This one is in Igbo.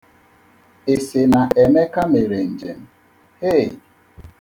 Ị sị na Emeka mere njem, hei!